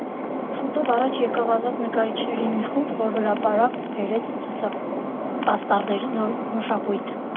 Շուտով առաջ եկավ ազատ նկարիչների մի խումբ, որ հրապարակ բերեց ցուցապաստառների նոր մշակույթ։